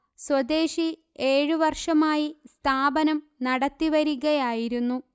സ്വദേശി ഏഴ് വര്ഷമായി സ്ഥാപനം നടത്തി വരികയായിരുന്നു